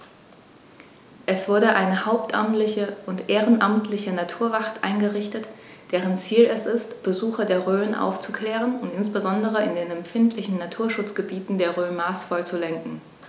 Es wurde eine hauptamtliche und ehrenamtliche Naturwacht eingerichtet, deren Ziel es ist, Besucher der Rhön aufzuklären und insbesondere in den empfindlichen Naturschutzgebieten der Rhön maßvoll zu lenken.